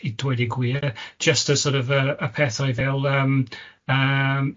i dweud y gwir jyst y sor' of y y pethau fel yym yym